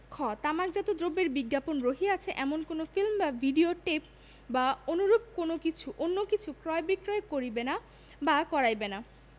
খ তামাকজাত দ্রব্যের বিজ্ঞাপন রহিয়অছে এমন কোন ফিল্ম বা ভিড়িও টিপ বা অনুরূপ অন্য কিছু বিক্রয় করিবে না বা করাইবে না